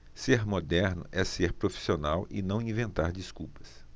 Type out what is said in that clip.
ser moderno é ser profissional e não inventar desculpas